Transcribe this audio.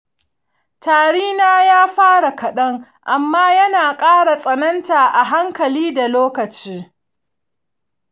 tari na ya fara kaɗan amma yana ƙara tsananta a hankali da lokaci.